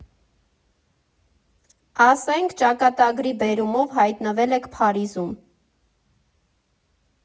Ասենք, ճակատագրի բերումով հայտնվել եք Փարիզում։